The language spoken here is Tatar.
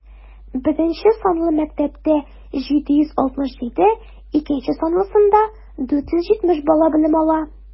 Беренче санлы мәктәптә - 767, икенче санлысында 470 бала белем ала.